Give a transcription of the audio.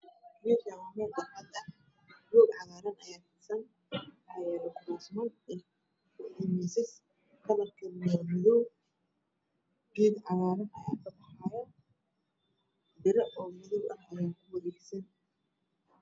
Meeshaan waa meel barxad ah roog cagaaran ayaa fidsan waxa yaala kuraasman iyo miisas kalarkodu waa madoow geed cagaaran ayaa kabaxaayo biro oo madoow ah wey ku wareegsanyihin